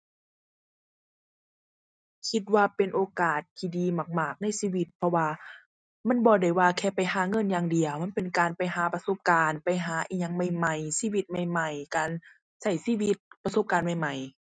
คิดว่าเป็นโอกาสที่ดีมากมากในชีวิต เพราะว่ามันบ่ได้ว่าแค่ไปหาเงินอย่างเดียว มันเป็นการไปหาประสบการณ์ ไปหาอิหยังใหม่ใหม่ ชีวิตใหม่ใหม่ การใช้ชีวิต ประสบการณ์ใหม่ใหม่